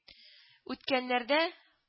Үткәннәрдә